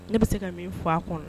Ne bɛ se ka min fɔ a kɔnɔ